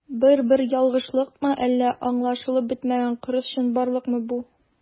Бер-бер ялгышлыкмы, әллә аңлашылып бетмәгән кырыс чынбарлыкмы бу?